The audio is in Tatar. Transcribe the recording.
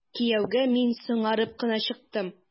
Кияүгә мин соңарып кына чыктым.